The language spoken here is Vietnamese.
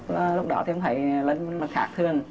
là lúc đó em thấy linh mặt khác thường